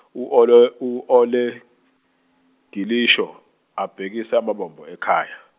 u Ole u Ole, Gilisho abhekise amabombo ekhaya.